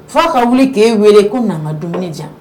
Fo ka wuli k'e weele ko na ka dumuni jan